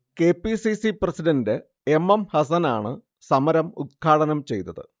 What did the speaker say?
K. P. C. C president M M ഹസനാണ് സമരം ഉദ്ഘാടനം ചെയ്തത്